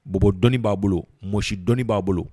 Bbɔdɔni b'a bolo mɔsi dɔnnii b'a bolo